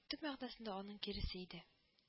Төп мәгънәсендә аның киресе иде